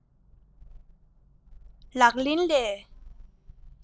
ལག ལེན ལས